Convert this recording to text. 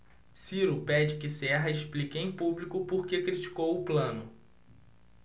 ciro pede que serra explique em público por que criticou plano